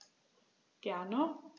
Gerne.